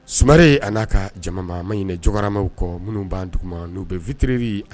Sure a n'a ka jama ma ɲini jɔyɔrɔmaw kɔ minnu ban n'u bɛ fitirili